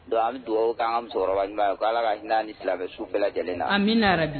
Bon an bɛ dugawu k'an ka musokɔrɔba ɲuman ye ko ala ka hin'ani silamɛsu bɛɛ lajɛlen na. Amina _ya rabi